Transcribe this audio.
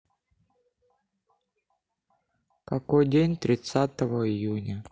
какой день тридцатого июня